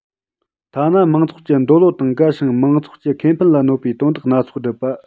ཐ ན མང ཚོགས ཀྱི འདོད བློ དང འགལ ཞིང མང ཚོགས ཀྱི ཁེ ཕན ལ གནོད པའི དོན དག སྣ ཚོགས བསྒྲུབས པ